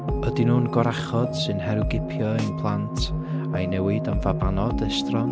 Ydyn nhw'n gorachod sy'n herwgipio ein plant a'u newid am fabanod estron?